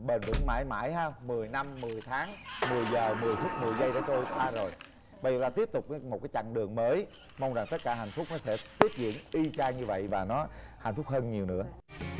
bền vững mãi mãi há mười năm mười tháng mười giờ mười phút mười giây đã trôi qua rồi bây giờ tiếp tục một cái chặng đường mới mong rằng tất cả hạnh phúc và sẽ tiếp diễn y chang như vậy và nó hạnh phúc hơn nhiều nữa